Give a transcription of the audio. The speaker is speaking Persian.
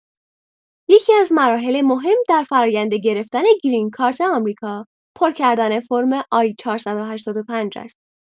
یکی‌از مراحل مهم در فرآیند گرفتن گرین کارت آمریکا، پر کردن فرم آی ۴۸۵ هست.